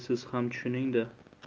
siz ham tushuning da